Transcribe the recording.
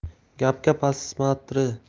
gapga pasmatri